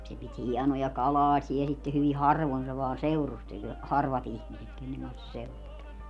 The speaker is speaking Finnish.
se piti hienoja kalaaseja sitten hyvin harvoin se vain seurusteli harvat ihmiset kenen kanssa se seurusteli